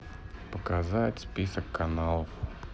показать список каналов